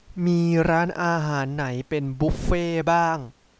มีร้านอาหารไหนเป็นบุฟเฟต์บ้าง